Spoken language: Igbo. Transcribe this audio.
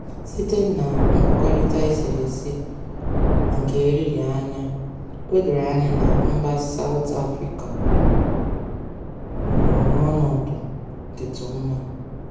Site na nkwukorita esereese nke eriri anya, o doro anya na mba Sawụtụ Afrịka nọ n'ọnọdụ dịtụ mma.